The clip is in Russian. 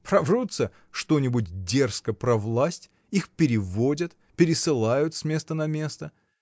Проврутся что-нибудь дерзко про власть, их переводят, пересылают с места на место.